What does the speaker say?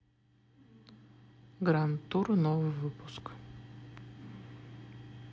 гранд тур новый выпуск